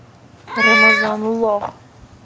рамазан лох